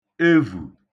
evù